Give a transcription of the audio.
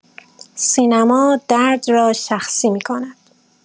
سینما درد را شخصی می‌کند.